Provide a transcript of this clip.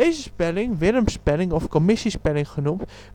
spelling, Willems-spelling of commissiespelling genoemd